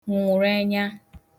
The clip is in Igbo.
nwụ̀re enyā